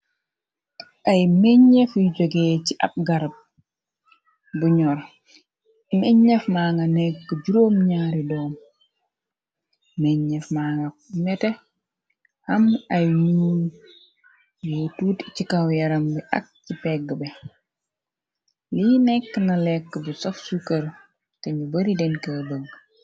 Ay meññef yu jogee ci ab garab, bu ñoor meññef ma nga nekk juróom ñaari doom, meññef ma nga nete am ay ñuñ yu tuuti ci kaw yaram bi ak ci pegg bi, li nekk na lekk bu saf suker, te ñu bari denkey bëgg.